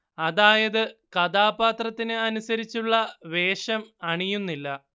അതായത് കഥാപാത്രത്തിനു അനുസരിച്ചുള്ള വേഷം അണിയുന്നില്ല